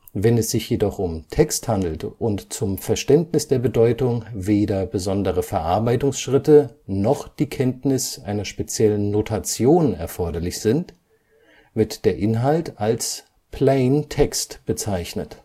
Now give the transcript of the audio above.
Wenn es sich jedoch um Text handelt und zum Verständnis der Bedeutung weder besondere Verarbeitungsschritte noch die Kenntnis einer speziellen Notation erforderlich sind, wird der Inhalt als Plain text bezeichnet